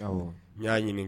N y'a ɲini